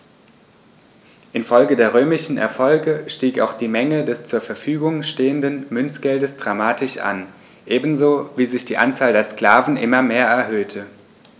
Infolge der römischen Erfolge stieg auch die Menge des zur Verfügung stehenden Münzgeldes dramatisch an, ebenso wie sich die Anzahl der Sklaven immer mehr erhöhte.